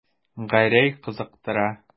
Гәрәй кызыктыра.